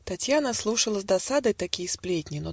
Татьяна слушала с досадой Такие сплетни